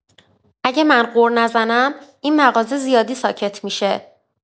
اگه من غر نزنم، این مغازه زیادی ساکت می‌شه.